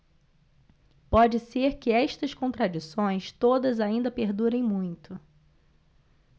pode ser que estas contradições todas ainda perdurem muito